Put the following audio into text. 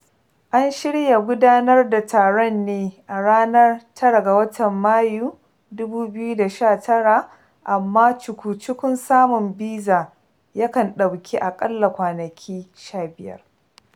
An shirya gudanar da taron ne a ranar 9 ga watan Mayu, 2019, amma cuku-cukun samun biza ya kan ɗauki a ƙalla kwanaki 15.